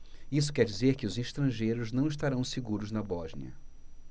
isso quer dizer que os estrangeiros não estarão seguros na bósnia